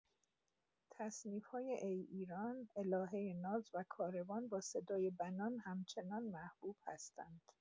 تصنیف‌های «ای ایران»، «الهه ناز» و «کاروان» با صدای بنان همچنان محبوب هستند.